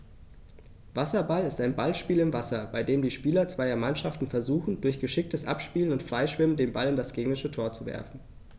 Wasserball ist ein Ballspiel im Wasser, bei dem die Spieler zweier Mannschaften versuchen, durch geschicktes Abspielen und Freischwimmen den Ball in das gegnerische Tor zu werfen.